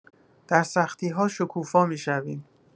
در سختی‌ها شکوفا می‌شویم.